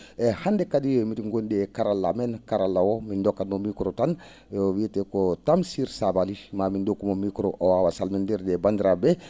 eeyi hannde kadi mi?en ngonndi e karalla amen karalla o min ndokkamo micro tan e o wiyatee ko Tamsir Sabaly maa min ndokku mo micro o waawa salmonndirde e banndiraa?e ?ee